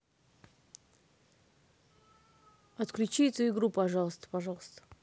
отключи эту игру пожалуйста пожалуйста